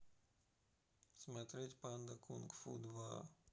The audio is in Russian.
смотреть панда кунг фу два